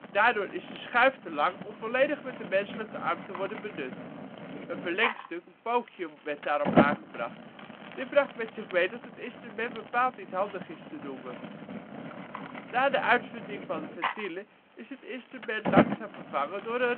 Daardoor is de schuif te lang om volledig met de menselijke arm te worden benut. Een verlengstuk (pookje) werd daarom aangebracht. Dit bracht met zich mee, dat het instrument bepaald niet handig is te noemen. Na de uitvinding van het ventiel, is dit instrument langzaam vervangen door